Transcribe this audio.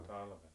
talvella